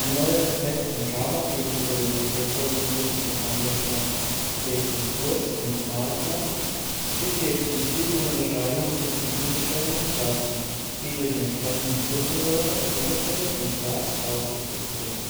neuer Aspekt von Java gegenüber den objektorientierten Programmiersprachen C++ und Smalltalk ist die explizite Unterscheidung zwischen Schnittstellen und Klassen, die durch entsprechende Schlüsselwörter interface und class ausgedrückt wird